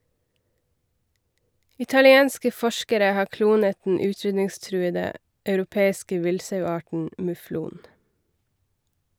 Italienske forskere har klonet den utrydningstruede europeiske villsauarten muflon.